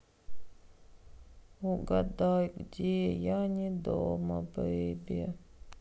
угадай где я не дома бейби